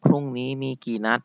พรุ่งนี้มีกี่นัด